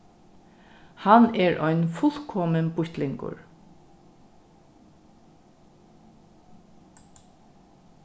hann er ein fullkomin býttlingur